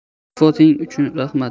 iltifoting uchun rahmat